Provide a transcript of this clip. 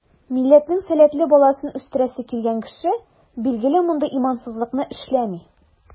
Милләтнең сәләтле баласын үстерәсе килгән кеше, билгеле, мондый имансызлыкны эшләми.